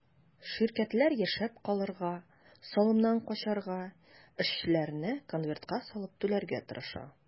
Ширкәтләр яшәп калырга, салымнан качарга, эшчеләренә конвертка салып түләргә тырыша.